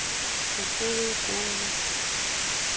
уколы уколами